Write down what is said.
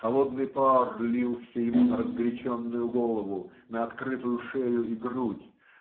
холодный пар лился ему на разгоряченную голову, на открытую шею и грудь.